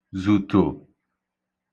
zụ̀tò